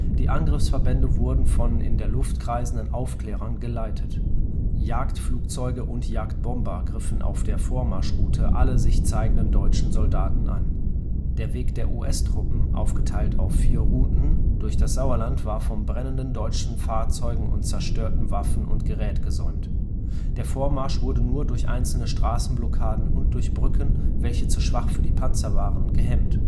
Die Angriffsverbände wurden von in der Luft kreisenden Aufklärern geleitet. Jagdflugzeuge und Jagdbomber griffen auf der Vormarschroute alle sich zeigenden deutschen Soldaten an. Der Weg der US-Truppen, aufgeteilt auf vier Routen, durch das Sauerland war von brennenden deutschen Fahrzeugen und zerstörten Waffen und Gerät gesäumt. Der Vormarsch wurde nur durch einzelne Straßenblockaden und durch Brücken, welche zu schwach für die Panzer waren, gehemmt